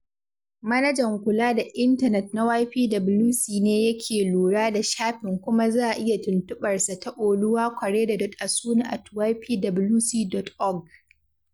Manajan Kula da Intanet na YPWC ne yake lura da shafin kuma za a iya tuntuɓar sa ta Oluwakorede.Asuni@ypwc.org.